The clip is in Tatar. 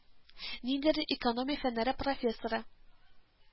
Ниндидер экономия фәннәре профессоры